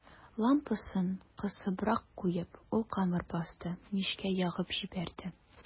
Лампасын кысыбрак куеп, ул камыр басты, мичкә ягып җибәрде.